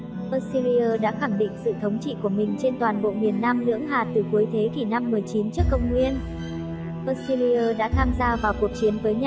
assyria đã khẳng định sự thống trị của mình trên toàn bộ miền nam lưỡng hà từ cuối thế kỷ tcn assyria đã tham gia vào cuộc chiến với nhà nước